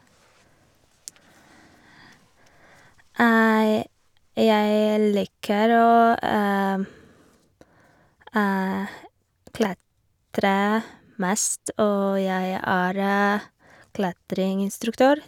Jeg liker å klatre, mest, og jeg er klatreinstruktør.